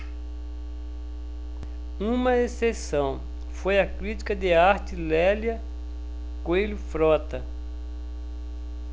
uma exceção foi a crítica de arte lélia coelho frota